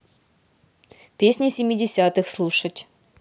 песни семидесятых слушать